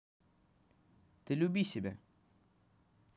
ты люби себя